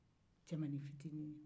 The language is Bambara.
cɛmannin fitiinin